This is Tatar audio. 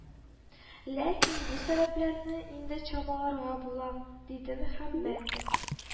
Ләкин бу сәбәпләрне инде чамаларга була, диде Мөхәммәтов